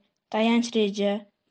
tayanch reja